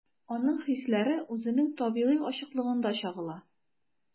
Аның хисләре үзенең табигый ачыклыгында чагыла.